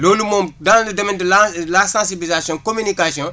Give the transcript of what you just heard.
loolu moom dans le domaine de la ;fra la ;fra sensibilisation communication